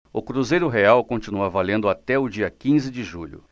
o cruzeiro real continua valendo até o dia quinze de julho